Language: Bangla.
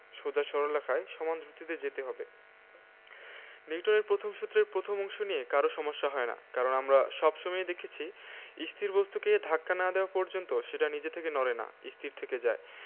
সোজা সরল রেখায় সমান দ্রুতিতে যেতে হবে নিউটনের প্রথম সূত্রের প্রথম অংশ নিয়ে কারো সমস্যা হয় না কারণ আমরা সব সময়ই দেখেছি স্থির বস্তুকে ধাক্কা না দেওয়া পর্যন্ত সেটা নিজে থেকে নড়ে না স্থির থেকে যায়